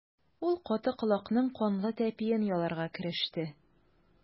Ул каты колакның канлы тәпиен яларга кереште.